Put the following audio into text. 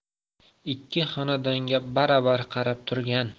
ikki xonadonga baravar qarab turgan